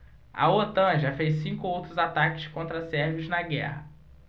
a otan já fez cinco outros ataques contra sérvios na guerra